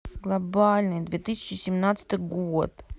глобальный две тысячи семнадцатый год